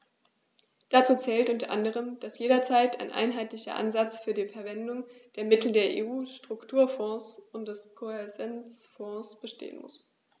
Dazu zählt u. a., dass jederzeit ein einheitlicher Ansatz für die Verwendung der Mittel der EU-Strukturfonds und des Kohäsionsfonds bestehen muss.